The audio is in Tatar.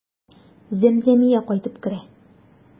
Зәмзәмия кайтып керә.